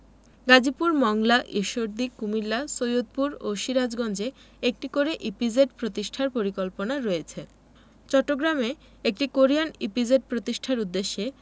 গাজীপুর মংলা ঈশ্বরদী কুমিল্লা সৈয়দপুর ও সিরাজগঞ্জে একটি করে ইপিজেড প্রতিষ্ঠার পরিকল্পনা রয়েছে চট্টগ্রামে একটি কোরিয়ান ইপিজেড প্রতিষ্ঠার উদ্দেশ্যে